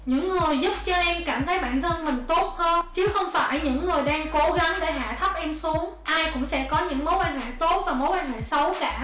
những người giúp cho em cảm thấy bản thân mình tốt hơn chứ không phải những người đang cố gắng hạ thấp em xuống ai cũng sẽ có những mối quan hệ tốt và mối quan hệ xấu cả